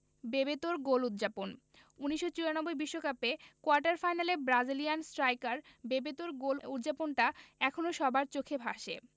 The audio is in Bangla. বেবেতোর গোল উদ্ যাপন ১৯৯৪ বিশ্বকাপে কোয়ার্টার ফাইনালে ব্রাজিলিয়ান স্ট্রাইকার বেবেতোর গোল উদ্ যাপনটা এখনো সবার চোখে ভাসে